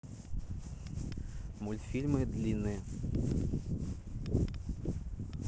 мультфильмы длинные